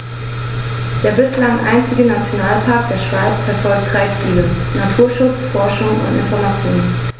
Der bislang einzige Nationalpark der Schweiz verfolgt drei Ziele: Naturschutz, Forschung und Information.